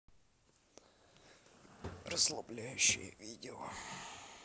расслабляющее видео